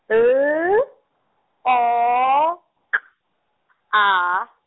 L O K A.